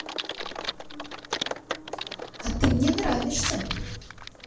а ты мне нравишься